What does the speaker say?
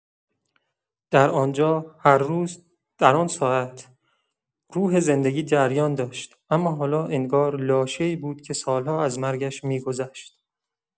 در آن‌جا، هر روز، در آن ساعت، روح زندگی جریان داشت، اما حالا انگار لاشه‌ای بود که سال‌ها از مرگش می‌گذشت.